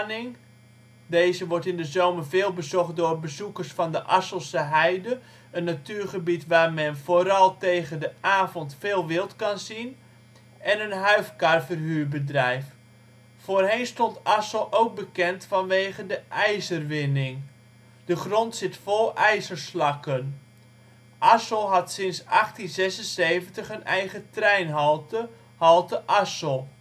een uitspanning (deze wordt in de zomer veel bezocht door bezoekers van de Asselse Heide, een natuurgebied waar men, vooral tegen de avond, veel wild kan zien) en een huifkarverhuurbedrijf. Voorheen stond Assel ook bekend vanwege de ijzerwinning. De grond zit vol (ijzer -) slakken. Assel had sinds 1876 een eigen treinhalte: halte Assel